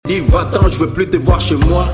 I fat sufifi tɛ fa se wa